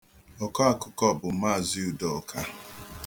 Ọkọakụkọ bụ Maazị Udoka.